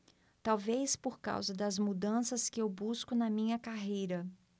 talvez por causa das mudanças que eu busco na minha carreira